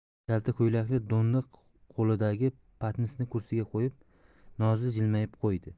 kalta ko'ylakli do'ndiq qo'lidagi patnisni kursiga qo'yib nozli jilmayib qo'ydi